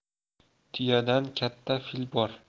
tuyadan katta fil bor